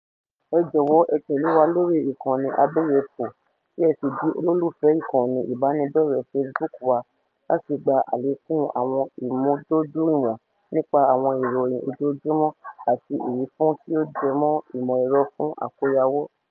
Ẹ jọ̀wọ́ ẹ tẹ̀lé wa lórí ìkànnì abẹ́yẹfò kí ẹ sì di olólùfẹ́ ìkànnì ìbánidọ́rẹ̀ẹ́ Facebook wa láti gba àlékún àwọn ìmúdójúìwọ̀n nípa àwọn ìròyìn ojoojúmọ́ àti ìwífún tí ó jẹ́ mọ́ ìmọ̀ ẹ̀rọ fún àkóyawọ́.